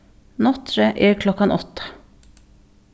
nátturði er klokkan átta